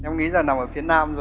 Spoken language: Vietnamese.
em nghĩ là nằm ở phía nam rồi